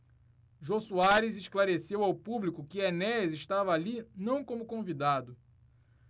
jô soares esclareceu ao público que enéas estava ali não como convidado